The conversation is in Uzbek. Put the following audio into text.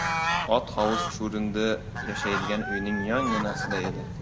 ot hovuz chuvrindi yashaydigan uyning yonginasida edi